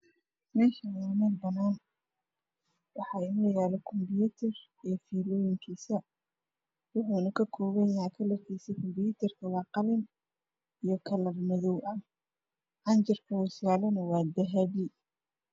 Meshaan waa meel banaan waxaa yala kubiitar iyo filoyinkiisa waxa uuna ka koopan yahy calarkiisa konpiitarka qalin iyo kalar madow ah can jirka uu saran yahyna waa dahapi